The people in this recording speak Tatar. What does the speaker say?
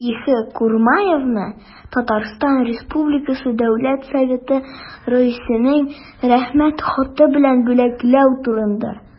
И.Х. Курмаевны Татарстан республикасы дәүләт советы рәисенең рәхмәт хаты белән бүләкләү турында